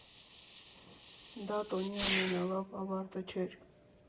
Դա տոնի ամենալավ ավարտը չէր։